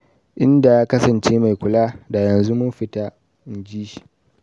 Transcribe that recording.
"In da ya kasance mai kula, da yanzu mun fita," in ji shi.